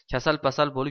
kasal pasal bo'lib